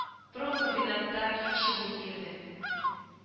Промкомбинатта йөкче булып йөрде